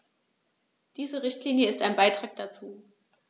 Diese Richtlinie ist ein Beitrag dazu.